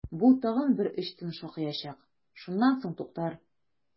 Бу тагын бер өч төн шакыячак, шуннан соң туктар!